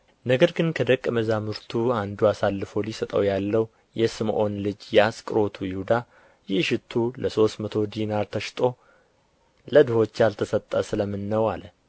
ነገር ግን ከደቀ መዛሙርቱ አንዱ አሳልፎ ሊሰጠው ያለው የስምዖን ልጅ የአስቆሮቱ ይሁዳ ይህ ሽቱ ለሦስት መቶ ዲናር ተሽጦ ለድሆች ያልተሰጠ ስለ ምን ነው አለ